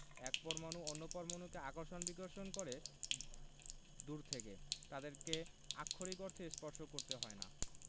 এক পরমাণু অন্য পরমাণুকে আকর্ষণ বিকর্ষণ করে দূর থেকে তাদেরকে আক্ষরিক অর্থে স্পর্শ করতে হয় না